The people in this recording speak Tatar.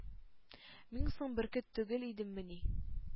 Мин соң бөркет түгел идеммени,